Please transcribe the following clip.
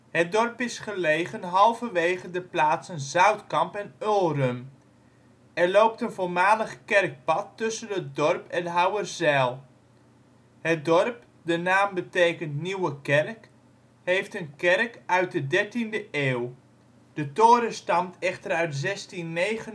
Het dorp is gelegen halverwege de plaatsen Zoutkamp en Ulrum. Er loopt een (voormalig) kerkpad tussen het dorp en Houwerzijl. Het dorp, de naam betekent nieuwe kerk, heeft een kerk uit de 13e eeuw. De toren stamt echter uit 1629